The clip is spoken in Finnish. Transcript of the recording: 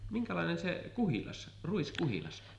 minkälainen se kuhilas ruiskuhilas on